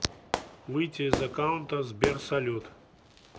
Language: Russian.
выйти из аккаунта сбер салют